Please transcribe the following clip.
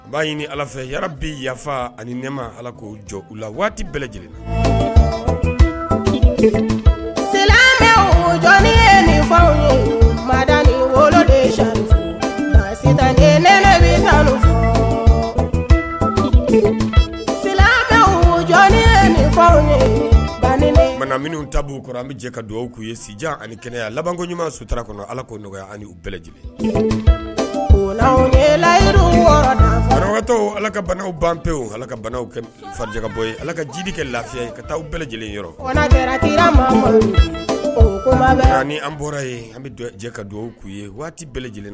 N b'a ɲini ala fɛ bɛ yafa ani nɛma ala k' jɔ u la waati bɛɛ lajɛlenna fa fa minnu ta u kɔrɔ an bɛ jɛ ka dugawuu ye si ani kɛnɛya labanko ɲumanuma sutura kɔnɔ ala ko nɔgɔya ani bɛɛ lajɛlenyitɔ ala ka banaw ban pe ala ka fajɛ bɔ ala ka ji kɛ lafiya ka taa u bɛɛ lajɛlen an bɔra an bɛ jɛ ka dugawu'u ye waati bɛɛ lajɛlen ye